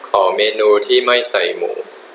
ขอเมนูที่ไม่ใส่หมู